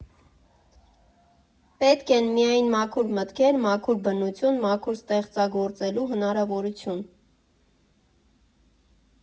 Պետք են միայն մաքուր մտքեր, մաքուր բնություն, մաքուր ստեղծագործելու հնարավորություն։